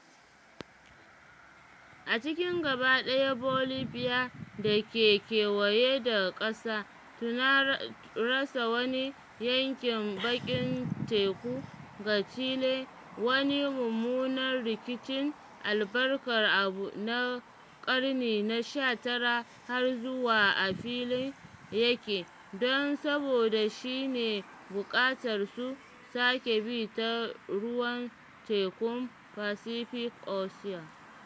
A cikin gaba ɗaya Bolivia da ke kewaye da ƙasa, tuna rasa wani yankin bakin teku ga Chile wani mummunan rikicin albarkar abu na ƙarni na 19 har yanzu a fili a yake - don saboda shi ne buƙatar su sake bi ta ruwan Tekun Pacific Ocean.